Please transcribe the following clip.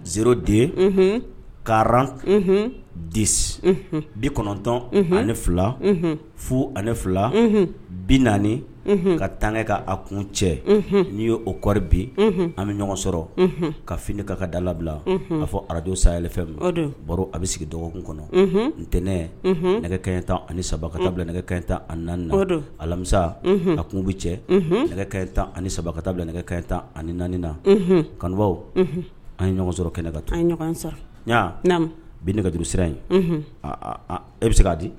Zden karan di bi kɔnɔntɔn ani fila fu ani fila bi naani ka tanga ka a kun cɛ n'i y ye o kɔɔri bi an bɛ ɲɔgɔn sɔrɔ ka fini ka ka da labila n'a fɔ araj sayli fɛ baro a bɛ sigi dɔgɔkun kɔnɔ n ntɛnɛnɛnɛ nɛgɛ kɛɲɛ tan ani saba ka taa bila nɛgɛ ka tan an naani alamisa a kun bɛ cɛ nɛgɛ ka tan ani saba ka taa bila nɛgɛ kaɲɛ tan ani naanian kanubaw an ɲɔgɔn sɔrɔ kɛnɛka taa an ɲɔgɔn sara bi nɛgɛ duuruuru sira in aaa e bɛ se k'a di